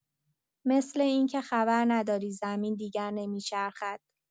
مثل این‌که خبر نداری زمین دیگر نمی‌چرخد!